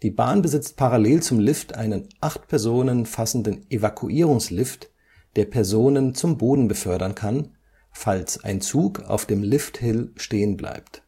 Bahn besitzt parallel zum Lift einen acht Personen fassenden Evakuierungslift, der Personen zum Boden befördern kann, falls ein Zug auf dem Lifthill stehen bleibt